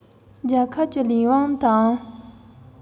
ཏང གི ལས དབང